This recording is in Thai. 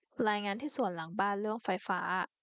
รายงานที่สวนหลังบ้านเรื่องไฟฟ้า